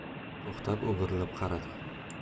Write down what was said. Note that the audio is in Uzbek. to'xtab o'girilib qaradi